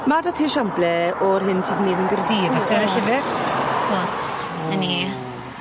Ma' 'dy ti esiample o'r hyn ti 'di neud yn Gyrdydd o's e yn y llyfyr? O's o's 'ny ni.